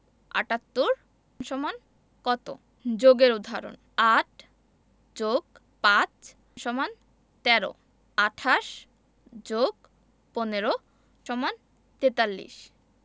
৭৮ = কত যোগের উদাহরণঃ ৮ + ৫ = ১৩ ২৮ + ১৫ = ৪৩